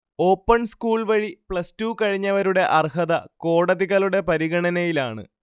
open സ്കൂൾവഴി plus two കഴിഞ്ഞവരുടെ അർഹത കോടതികളുടെ പരിഗണനയിലാണ്